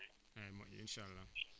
* incha allah